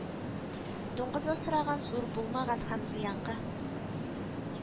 Дуңгыз асраган зур булмаган һәм зыянга